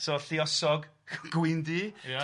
so lluosog gwyndi ia.